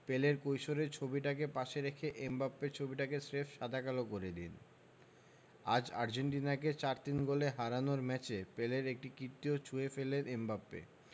পেলের কৈশোরের ছবিটাকে পাশে রেখে এমবাপ্পের ছবিটা স্রেফ সাদা কালো করে দিন আজ আর্জেন্টিনাকে ৪ ৩ গোলে হারানোর ম্যাচে পেলের একটা কীর্তিও ছুঁয়ে ফেললেন এমবাপ্পে